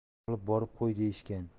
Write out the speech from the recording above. olib borib qo'y deyishgan